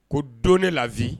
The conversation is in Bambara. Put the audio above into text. Ko don ne labi